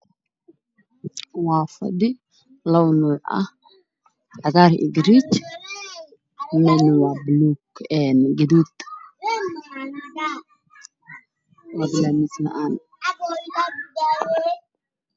Waa fadhi labo nooc ah cagaar iyo gaduud meelna waa baluug een gaduud fadlans macan